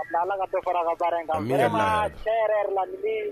Ala ka to fara ka baara in nka ne cɛ la